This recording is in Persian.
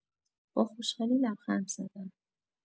با خوشحالی لبخند زدم.